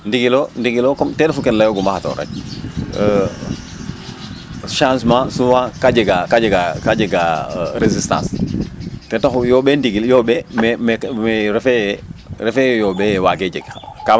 ndigil lo ndigil lo ten refu ke layooguuma xatoor rek changement souvent ka jega ka jega resistence ten taxu yooɓee ndigil yooɓee yooɓee mais refee yee refee yee yooɓee waagee jeg